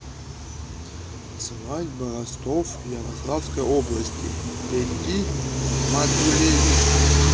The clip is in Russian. свадьба ростов ярославской области пети матулевич